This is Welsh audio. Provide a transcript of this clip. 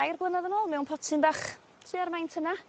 dair blynadd yn ôl mewn potyn bach tua'r maint yna.